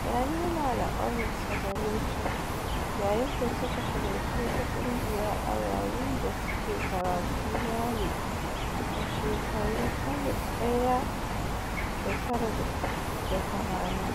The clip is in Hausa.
ya nuna al'aurarsa gare ta yayin da suka halarci wata ƙungiya a yayin da suke karatun Yale a shekarun 1980.